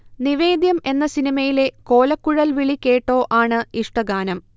നിവേദ്യം എന്ന സിനിമയിലെ കോലക്കുഴൽവിളി കേട്ടോ ആണ് ഇഷ്ടഗാനം